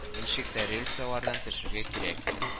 Ничек тә рельслардан төшәргә кирәк